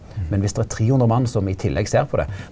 men viss der er 300 mann som i tillegg ser på det.